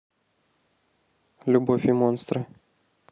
любовь и монстры